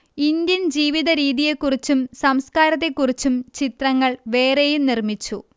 Indian ജീവിതരീതിയെക്കുറിച്ചും സംസ്കാരത്തെക്കുറിച്ചും ചിത്രങ്ങൾ വേറെയും നിർമിച്ചു